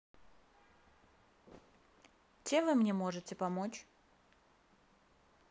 чем вы мне можете помочь